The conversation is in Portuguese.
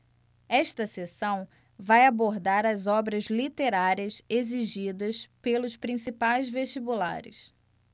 esta seção vai abordar as obras literárias exigidas pelos principais vestibulares